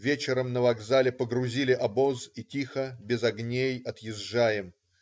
Вечером на вокзале погрузили обоз и тихо, без огней отъезжаем.